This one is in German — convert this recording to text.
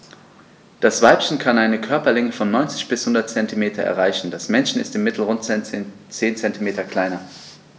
Das Weibchen kann eine Körperlänge von 90-100 cm erreichen; das Männchen ist im Mittel rund 10 cm kleiner.